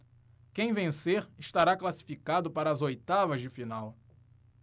quem vencer estará classificado para as oitavas de final